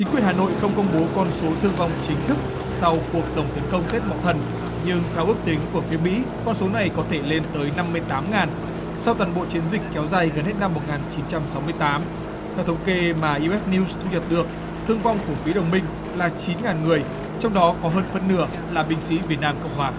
chính quyền hà nội không công bố con số thương vong chính thức sau cuộc tổng tiến công tết mậu thân nhưng theo ước tính của phía mỹ con số này có thể lên tới năm mươi tám ngàn sau toàn bộ chiến dịch kéo dài gần hết năm một nghìn chín trăm sáu mươi tám theo thống kê mà iu ét niu thu nhập được thương vong của phía đồng minh là chín ngàn người trong đó có hơn phân nửa là binh sĩ việt nam cộng hòa